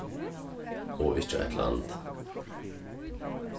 og ikki eitt land